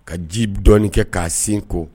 Ka ji dɔɔnin kɛ k'a sinko